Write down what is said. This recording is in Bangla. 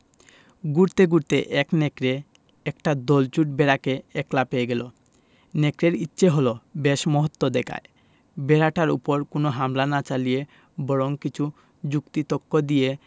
ঘুরতে ঘুরতে এক নেকড়ে একটা দলছুট ভেড়াকে একলা পেয়ে গেল নেকড়ের ইচ্ছে হল বেশ মহত্ব দেখায় ভেড়াটার উপর কোন হামলা না চালিয়ে বরং কিছু যুক্তি তক্ক দিয়ে